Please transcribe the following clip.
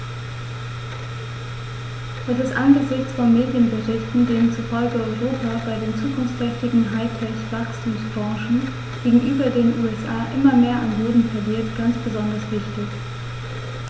Das ist angesichts von Medienberichten, denen zufolge Europa bei den zukunftsträchtigen High-Tech-Wachstumsbranchen gegenüber den USA immer mehr an Boden verliert, ganz besonders wichtig.